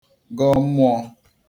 gọ mmọ̄ọ̄